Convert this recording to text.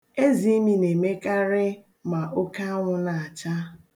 Eziimi na-emekarị ma oke anwụ na-acha.